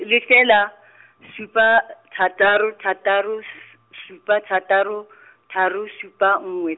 lefela , supa , thataro thataro s-, supa thataro , tharo supa nngwe.